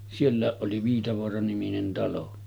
sielläkin oli Viitavaara-niminen talo